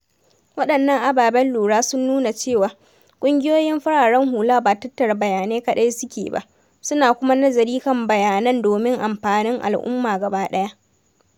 Waɗannan ababen lura sun nuna cewa, ƙungiyoyin fararen hula ba tattara bayanai kaɗai suke ba, suna kuma nazari kan bayanan domin amfanin al’umma gaba ɗaya.